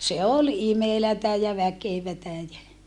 se oli imelää ja väkevää ja